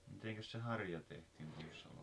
mitenkäs se harja tehtiin tuommoisessa olkikatossa